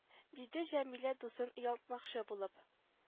Диде җәмилә дусын оялтмакчы булып